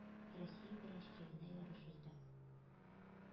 Россия беренчелегенә ярыш узды.